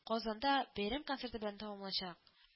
Казанда бәйрәм концерты белән тәмамлачак